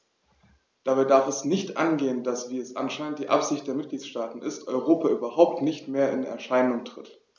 Dabei darf es nicht angehen, dass - wie es anscheinend die Absicht der Mitgliedsstaaten ist - Europa überhaupt nicht mehr in Erscheinung tritt.